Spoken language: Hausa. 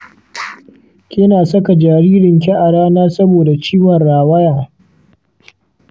kina saka jaririnki a rana saboda ciwon rawaya?